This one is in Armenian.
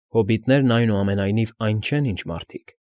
Հոբիտներն, այնուամենայնիվ, այն չեն, ինչ մարդիկ։